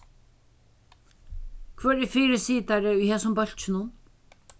hvør er fyrisitari í hesum bólkinum